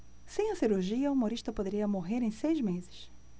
sem a cirurgia humorista poderia morrer em seis meses